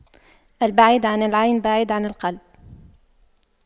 البعيد عن العين بعيد عن القلب